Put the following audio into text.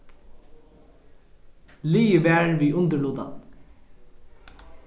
liðið var við undirlutan